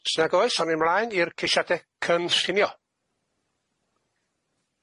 Os nag oes, awn ni ymlaen i'r ceisiade cynllunio.